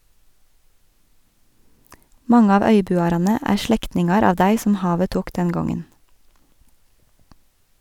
Mange av øybuarane er slektningar av dei som havet tok den gongen.